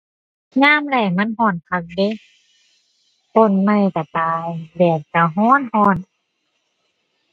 ยามแล้งมันร้อนคักเดะ ต้นไม้ร้อนตาย แดดร้อนร้อนร้อน